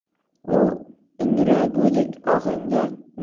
u ingragudek ohangda